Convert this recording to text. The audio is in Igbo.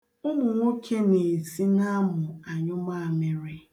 Ụmụnwoke na-esi n'amụ anyụ mamịrị.